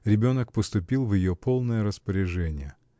ребенок поступил в ее полное распоряжение.